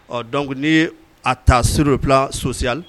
Or donc ni ye a ta sur le plan social